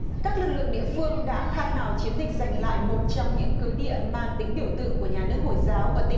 các lực lượng địa phương đã khai mào chiến dịch giành lại một trong những cứ địa mang tính biểu tượng của nhà nước hồi giáo ở tỉnh